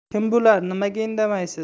kim bular nimaga indamaysiz